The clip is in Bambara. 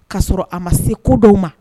K'a sɔrɔ a ma se ko dɔw ma